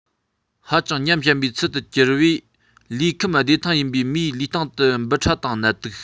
ཧ ཅང ཉམས ཞན པའི ཚུལ ཏུ གྱུར པས ལུས ཁམས བདེ ཐང ཡིན པའི མིའི ལུས སྟེང དུ འབུ ཕྲ དང ནད དུག